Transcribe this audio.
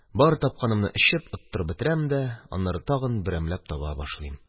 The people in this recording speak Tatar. Бар тапканымны эчеп, оттырып бетерәм дә аннары тагын берәмләп таба башлыйм